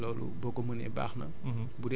mais da nga koy béy bàyyi ko ci kaw suuf si noonu